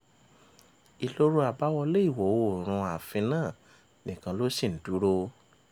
Ìloro àbáwọlé ìwọ̀-oòrùn-un ààfin náà nìkan ló ṣì ń dúró.